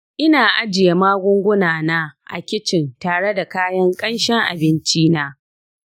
ina ajiye magunguna na a kitchen tare da kayan ƙanshin abinci na.